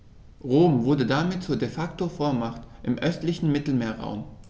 Rom wurde damit zur ‚De-Facto-Vormacht‘ im östlichen Mittelmeerraum.